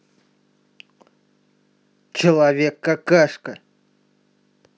человек какашка